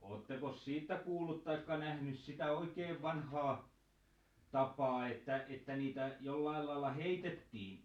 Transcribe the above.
olettekos siitä kuullut tai nähnyt sitä oikein vanhaa tapaa että että niitä jollakin lailla heitettiin